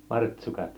martsukat